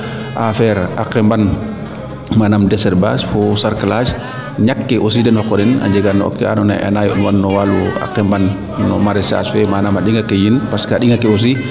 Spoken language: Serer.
affaire a qemban manam desherbage fo sarclage ñak ke aussi deno qorin a njega no kee ando naye na yond nuwan no walu a qeman no maraichage fee manaam a ndiŋa ke yiin parce que a ndiŋa ke aussi